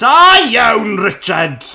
Da iawn, Richard!